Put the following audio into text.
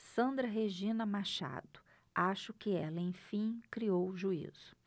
sandra regina machado acho que ela enfim criou juízo